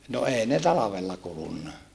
no ei ne talvella kulunut